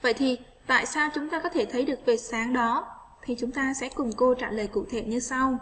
vậy thì tại sao chúng ta có thể thấy được vệt sáng đó thì chúng ta sẽ cùng cô trả lời cụ thể như sau